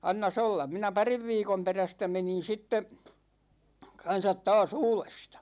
annas olla minä parin viikon perästä menin sitten kanssa taas uudesta